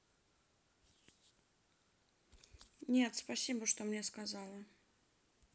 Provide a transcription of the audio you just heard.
нет спасибо что мне сказала